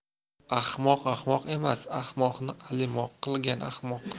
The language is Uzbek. ahmoq ahmoq emas ahmoqni alimoq qilgan ahmoq